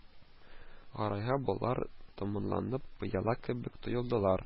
Гәрәйгә болар томанлы пыяла кебек тоелдылар